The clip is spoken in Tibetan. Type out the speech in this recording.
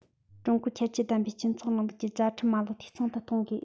ཀྲུང གོའི ཁྱད ཆོས ལྡན པའི སྤྱི ཚོགས རིང ལུགས ཀྱི བཅའ ཁྲིམས མ ལག འཐུས ཚང དུ གཏོང དགོས